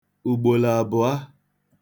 ùgbòlòàbụ̀ọ